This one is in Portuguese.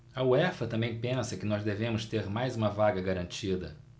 a uefa também pensa que nós devemos ter mais uma vaga garantida